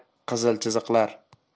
qizil chiziqlar